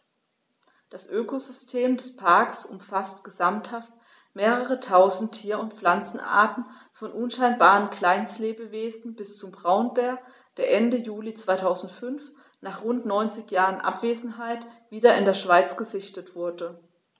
Das Ökosystem des Parks umfasst gesamthaft mehrere tausend Tier- und Pflanzenarten, von unscheinbaren Kleinstlebewesen bis zum Braunbär, der Ende Juli 2005, nach rund 90 Jahren Abwesenheit, wieder in der Schweiz gesichtet wurde.